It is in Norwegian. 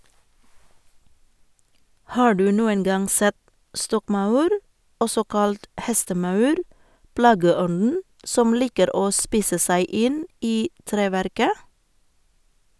Har du noen gang sett stokkmaur, også kalt hestemaur, plageånden som liker å spise seg inn i treverket?